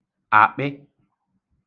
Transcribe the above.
àkpị